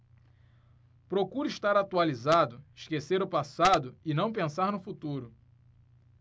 procuro estar atualizado esquecer o passado e não pensar no futuro